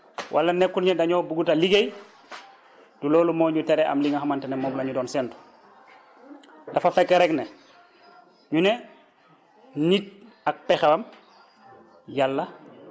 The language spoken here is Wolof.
wala nekkul ne dañoo bugut a liggéey du loolu moo ñu teree am li nga xamante ne moom la ñu doon séntu dafa fekk rek ne ñu ne nit ak pexeem yàlla ak